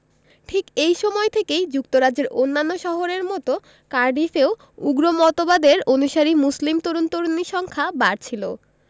ঠিক এই সময় থেকেই যুক্তরাজ্যের অন্যান্য শহরের মতো কার্ডিফেও উগ্র মতবাদের অনুসারী মুসলিম তরুণ তরুণীর সংখ্যা বাড়ছিল